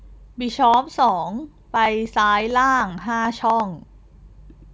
บิชอปสองไปซ้ายล่างห้าช่อง